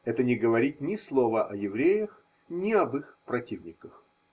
это – не говорить ни слова ни о евреях, ни об их противниках.